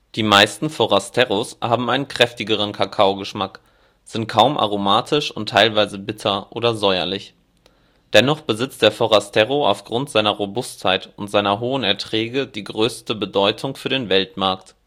Die meisten Forasteros haben einen kräftigeren Kakaogeschmack, sind kaum aromatisch und teilweise bitter oder säuerlich. Dennoch besitzt der Forastero aufgrund seiner Robustheit und seiner hohen Erträge die größte Bedeutung für den Weltmarkt